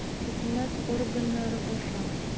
Хөкүмәт органнары аша.